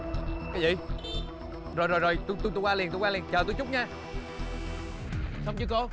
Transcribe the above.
cái gì rồi rồi rồi tui tui qua liền tui qua liền chờ tui chút nha xong chưa cô